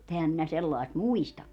mutta enhän minä sellaista muistakaan